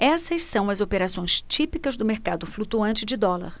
essas são as operações típicas do mercado flutuante de dólar